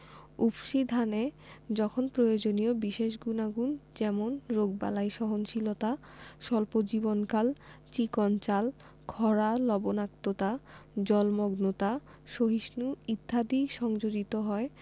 উফশী ধানে যখন প্রয়োজনীয় বিশেষ গুনাগুণ যেমন রোগবালাই সহনশীলতা স্বল্প জীবনকাল চিকন চাল খরা লবনাক্ততা জলমগ্নতা সহিষ্ণু ইত্যাদি সংযোজিত হয়